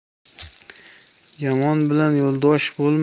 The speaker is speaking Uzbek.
yomon bilan yo'ldosh